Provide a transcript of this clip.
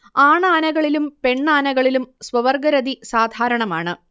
ആണാനകളിലും പെണ്ണാനകളിലും സ്വവർഗ്ഗരതി സാധാരണമാണ്